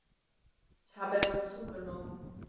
Ich habe etwas zugenommen